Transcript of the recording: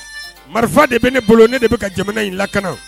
Marifa de bɛ ne bolo ne de bɛ ka jamana in lakana